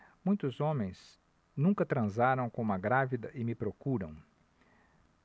muitos homens nunca transaram com uma grávida e me procuram